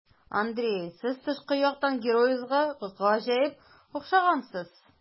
Андрей, сез тышкы яктан героегызга гаҗәп охшагансыз.